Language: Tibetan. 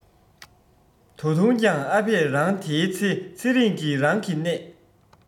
ད དུང ཀྱང ཨ ཕས རང དེའི ཚེ ཚེ རིང གི རང གི གནད